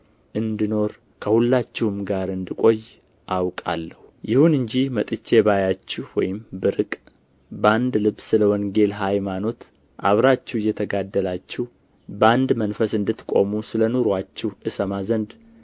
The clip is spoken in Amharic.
እንድኖር ከሁላችሁም ጋር እንድቈይ አውቃለሁ ይሁን እንጂ መጥቼ ባያችሁ ወይም ብርቅ በአንድ ልብ ስለ ወንጌል ሃይማኖት አብራችሁ እየተጋደላችሁ በአንድ መንፈስ እንድትቆሙ ስለ ኑሮአችሁ እሰማ ዘንድ